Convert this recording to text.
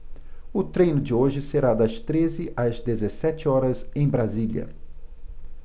o treino de hoje será das treze às dezessete horas em brasília